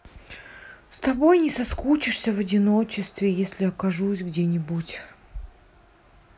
с тобой не соскучишься в одиночестве если окажусь где нибудь